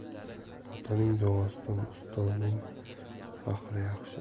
otaning duosidan ustozning faxri yaxshi